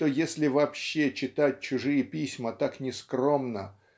что если вообще читать чужие письма так нескромно